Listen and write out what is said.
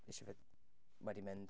Isie fe wedi mynd.